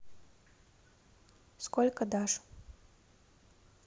сколько дашь